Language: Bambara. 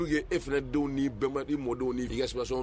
Dugue fanadenw ni bɛnba mɔdenw ni